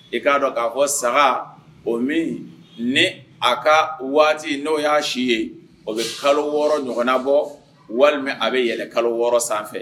I k'a dɔn k'a fɔ saga , o min ni a ka waati n'o y'a si ye, o bɛ kalo 6 ɲɔgɔnnabɔ walima a bɛ yɛlɛ kalo 6 sanfɛ